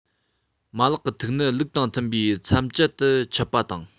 མ ལག གི ཐིག ནི ལུགས དང མཐུན པའི མཚམས བཅད དུ ཆད པ དང